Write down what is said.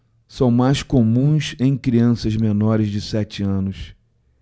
são mais comuns em crianças menores de sete anos